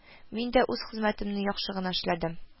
Мин дә үз хезмәтемне яхшы гына эшләдем